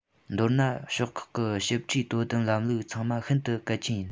མདོར ན ཕྱོགས ཁག གི ཞིབ ཕྲའི དོ དམ ལམ ལུགས ཚང མ ཤིན ཏུ གལ ཆེན ཡིན